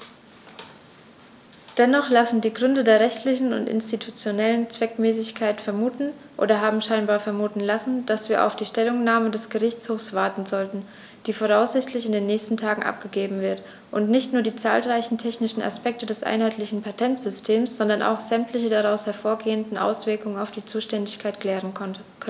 Dennoch lassen die Gründe der rechtlichen und institutionellen Zweckmäßigkeit vermuten, oder haben scheinbar vermuten lassen, dass wir auf die Stellungnahme des Gerichtshofs warten sollten, die voraussichtlich in den nächsten Tagen abgegeben wird und nicht nur die zahlreichen technischen Aspekte des einheitlichen Patentsystems, sondern auch sämtliche daraus hervorgehenden Auswirkungen auf die Zuständigkeit klären könnte.